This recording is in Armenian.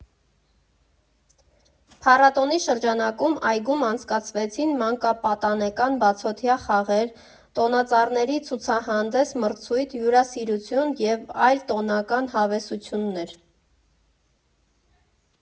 Փառատոնի շրջանակում այգում անցկացվեցին մանկապատանեկան բացօթյա խաղեր, տոնածառների ցուցահանդես֊մրցույթ, հյուրասիրություն և այլ տոնական հավեսություններ։